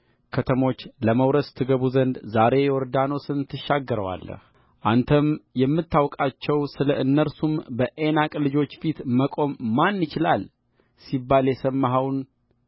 ከተሞች ለመውረስ ትገቡ ዘንድ ዛሬ ዮርዳኖስን ትሻገረዋለህአንተም የምታውቃቸው ስለ እነርሱም በዔናቅ ልጆች ፊት መቆም ማን ይችላል ሲባል